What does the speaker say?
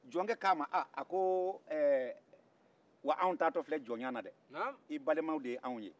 jɔncɛ k'a ma aa a ko ee wa anw taatɔ filɛ jɔnya la dɛ i balenmaw de ye anw ye